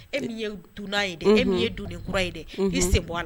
E min ye dun ye dɛ e min ye dun de kura ye de e se bɔ